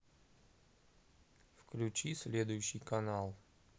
включи следующий канал